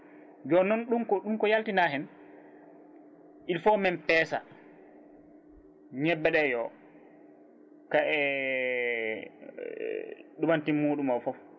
joni noon ɗum ko ɗum ko yaltina hen il faut min peesa ñebbe ɗe yo kay e ɗumantin muɗum o foof